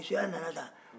bozoya nana tan